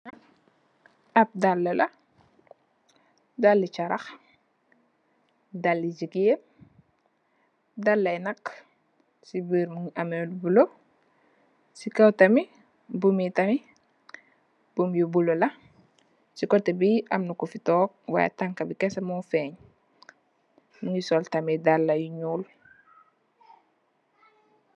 Ab daal la, daali charah, daali jigéen, daal yi nak ci biir mungi ameh lu bulo. Ci kaw tamit buum yi tamit, buum yu bulo la. Ci kotè bi amna Ku fi toog why tanka bi kasè mo fènn.